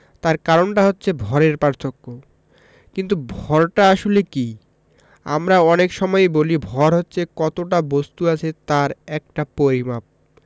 তার কারণটা হচ্ছে ভরের পার্থক্য কিন্তু ভরটা আসলে কী আমরা অনেক সময়েই বলি ভর হচ্ছে কতটা বস্তু আছে তার একটা পরিমাপ